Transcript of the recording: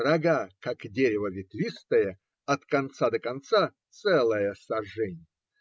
рога как дерево ветвистое, от конца до конца целая сажень.